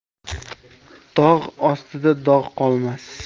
dog' ostida dog' qolmas